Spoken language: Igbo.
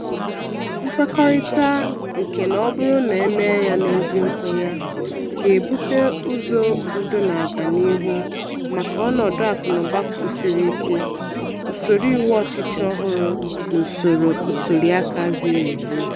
Nkwekọrịta nke na ọ bụrụ na e mee ya n'ezi nkwenye, ga-ebute ụzọ udo na-aga n'ihu maka ọnọdụ akụnaụba kwụsiri ike, usoro iwu ọchịchị ọhụrụ na usoro ntuliaka ziri ezi.